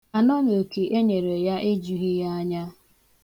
Anọnoke enyere ya ejughị ya anya.